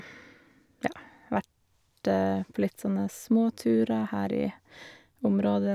Ja, vært på litt sånne småturer her i området.